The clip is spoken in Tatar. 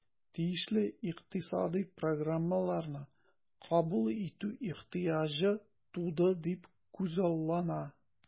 Тиешле икътисадый программаларны кабул итү ихтыяҗы туды дип күзаллана.